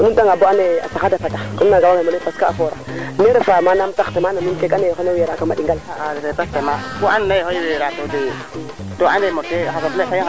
Fatou Tall no pana le Ndoundokh ngid mang a paxa paax Fatou b o ndiik i ndef meeke kama paana le ɗundoox reke in way ndeta ngara ndeta ngara rewe njaxasora weke ɗose a weke ƴewa tig yeeme u no tew